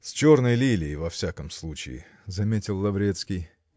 -- С черной лилией, во всяком случае, -- заметил Лаврецкий.